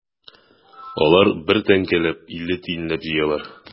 Алар бер тәңкәләп, илле тиенләп җыялар.